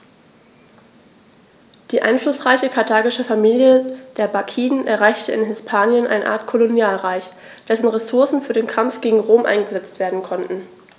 Die einflussreiche karthagische Familie der Barkiden errichtete in Hispanien eine Art Kolonialreich, dessen Ressourcen für den Kampf gegen Rom eingesetzt werden konnten.